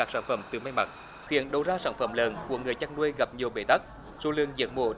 các sản phẩm từ may mặc khiến đầu ra sản phẩm lợn của người chăn nuôi gặp nhiều bế tắc số lượng giết mổ